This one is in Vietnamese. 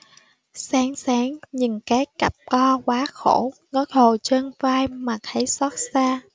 sáng sáng nhìn cái cặp to quá khổ nó thồ trên vai mà thấy xót xa